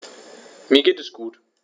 Mir geht es gut.